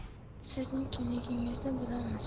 sizning kimligingizni bilamiz